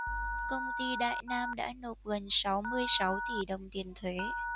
công ty đại nam đã nộp gần sáu mươi sáu tỉ đồng tiền thuế